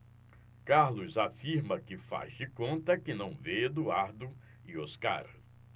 carlos afirma que faz de conta que não vê eduardo e oscar